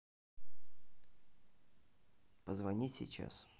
позвонить сейчас